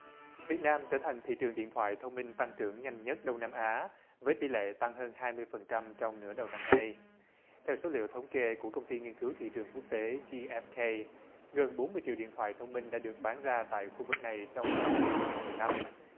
việt nam trở thành thị trường điện thoại thông minh tăng trưởng nhanh nhất đông nam á với tỷ lệ tăng hơn hai mươi phần trăm trong nửa đầu năm nay theo số liệu thống kê của công ty nghiên cứu thị trường quốc tế di ép cây gần bốn mươi triệu điện thoại thông minh đã được bán ra tại khu vực này trong nửa năm hai ngàn mười lăm